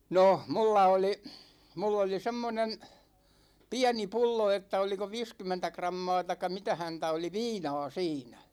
no minulla oli minulla oli semmoinen pieni pullo että oliko viisikymmentä grammaa tai mitä häntä oli viinaa siinä